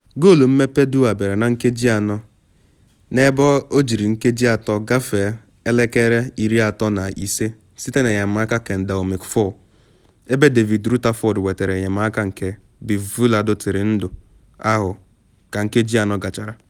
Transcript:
Goolu mmepe Dwyer bịara na nkeji anọ na 3:35 site n’enyemaka Kendall McFaull, ebe David Rutherford wetere enyemaka ka Beauvillier dọtịrị ndu ahụ ka nkeji anọ gachara.